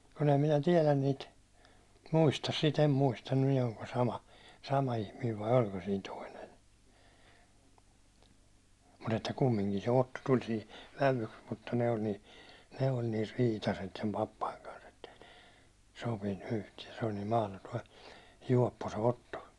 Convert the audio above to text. kun en minä tiedä niitä muista sitä en muista niin oliko sama sama ihminen vai oliko siinä toinen mutta että kumminkin se Otto tuli siihen vävyksi mutta noin niin ne oli niin riitaiset sen papan kanssa että ei ne sopinut yhtään se oli niin mahdoton juoppo se Otto